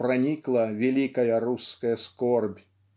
проникла великая русская скорбь.